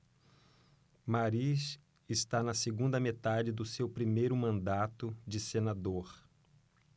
mariz está na segunda metade do seu primeiro mandato de senador